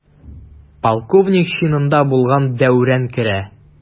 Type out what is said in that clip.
Полковник чинында булган Дәүран керә.